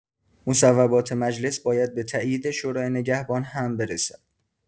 مصوبات مجلس باید به تایید شورای نگهبان هم برسد.